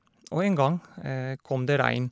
Og en gang kom det regn.